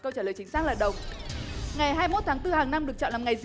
câu trả lời chính xác là đồng ngày hai mốt tháng tư hằng năm được chọn làm ngày gì